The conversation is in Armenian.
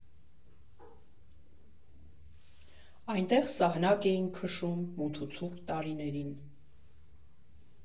Այնտեղ սահնակ էինք քշում մութ ու ցուրտ տարիներին։